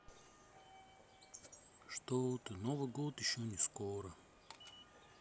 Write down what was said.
что ты новый год еще не скоро